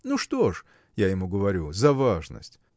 Ну, что ж, – я ему говорю, – за важность?